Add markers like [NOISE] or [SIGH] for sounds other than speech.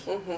[HESITATION] [HESITATION]